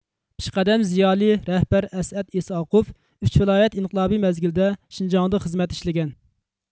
پېشقەدەم زىيالىي رەھبەر ئەسئەت ئىسھاقوف ئۈچ ۋىلايەت ئىنقىلابى مەزگىلىدە شىنجاڭدا خىزمەت ئىشلىگەن